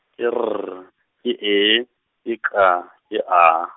ke R ke E ke K ke A.